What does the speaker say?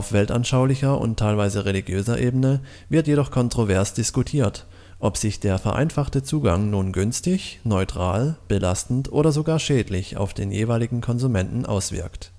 weltanschaulicher und teilweise religiöser Ebene wird jedoch kontrovers diskutiert, ob sich der vereinfachte Zugang nun günstig, neutral, belastend oder sogar schädlich auf die jeweiligen Konsumenten auswirkt